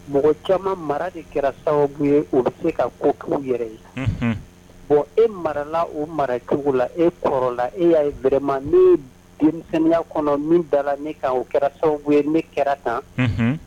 Mɔgɔ caman mara de kɛra sababu ye o bɛ se ka ko' yɛrɛ ye bon e marala o mara cogo la e kɔrɔla e y'a ye bererɛma ne denmisɛnya kɔnɔ min da la ne kɛra sababu ye ne kɛra tan